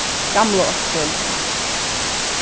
gamlaárskvøldi